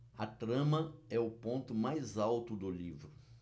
a trama é o ponto mais alto do livro